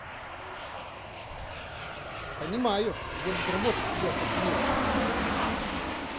понимаю я без работы сидел пять лет